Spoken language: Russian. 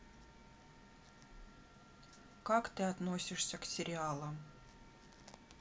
как ты относишься к сериалам